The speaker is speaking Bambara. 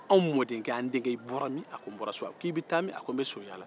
aw mɔdenkɛ an denkɛ i bɔra min a ko n bɔra so a k'i be taa min a ko n bɛ so yala